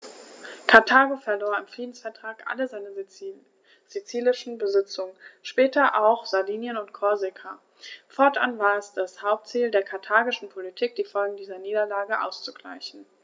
Karthago verlor im Friedensvertrag alle seine sizilischen Besitzungen (später auch Sardinien und Korsika); fortan war es das Hauptziel der karthagischen Politik, die Folgen dieser Niederlage auszugleichen.